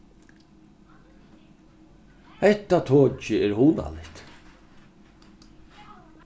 hetta tokið er hugnaligt